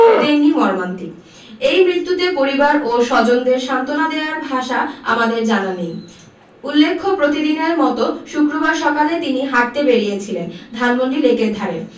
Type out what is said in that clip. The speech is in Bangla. তেমনি মর্মান্তিক এই মৃত্যুতে পরিবার ও স্বজনদের সান্তনা দেয়ার ভাষা আমাদের জানা নেই উল্লেখ্য প্রতিদিনের মতো শুক্রবার সকালে তিনি হাঁটতে বেরিয়েছিলেন ধানমন্ডি লেকের ধারে